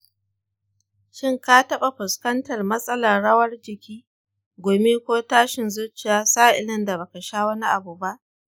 shin ka taɓa fuskantar matsalar rawar jiki, gumi, ko tashin zuciya sa'ilin da baka sha wani abu ba?